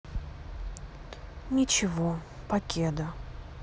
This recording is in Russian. ничего покеда